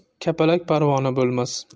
kapalak parvona bo'lmas